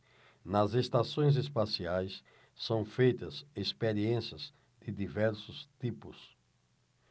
nas estações espaciais são feitas experiências de diversos tipos